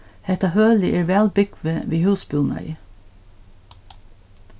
hetta hølið er væl búgvið við húsbúnaði